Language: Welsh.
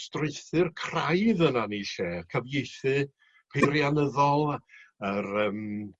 strwythur craidd yna yn 'i lle cyfieithu peirianyddol a yr yym